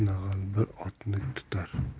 bir nag'al bir otni tutar